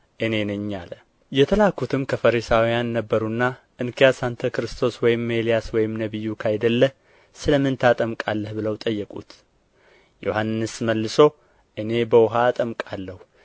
እኔ ነኝ አለ የተላኩትም ከፈሪሳውያን ነበሩና እንኪያስ አንተ ክርስቶስ ወይም ኤልያስ ወይም ነቢዩ ካይደለህ ስለ ምን ታጠምቃለህ ብለው ጠየቁት ዮሐንስ መልሶ እኔ በውኃ አጠምቃለሁ